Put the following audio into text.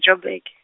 Joburg.